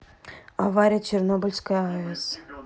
авария в чернобыльская аэс